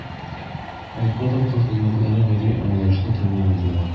Айтматовның хезмәтләре гади, аңлаешлы тел белән язылган.